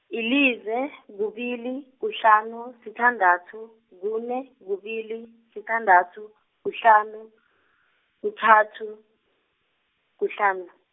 yilize, kubili, kuhlanu, sithandathu, kune, kubili, sithandathu, kuhlanu , kuthathu, kuhlanu.